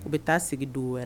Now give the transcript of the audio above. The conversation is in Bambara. U bɛ taa sigi don wɛrɛ